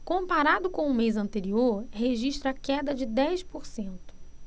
comparado com o mês anterior registra queda de dez por cento